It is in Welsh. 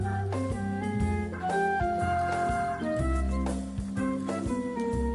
<cerddoriaeth